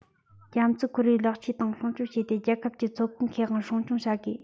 རྒྱ མཚོའི ཁོར ཡུག ལེགས བཅོས དང སྲུང སྐྱོང བྱས ཏེ རྒྱལ ཁབ ཀྱི མཚོ ཁོངས ཁེ དབང སྲུང སྐྱོང བྱ དགོས